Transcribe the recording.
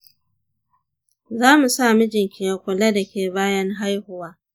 za mu sa mijinki ya kula da ke bayan haihuwa.